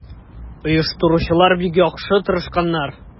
Оештыручылар бик яхшы тырышканнар.